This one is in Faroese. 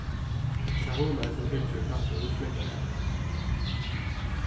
tað huglagið sum fylgir við kappróðrinum smittar av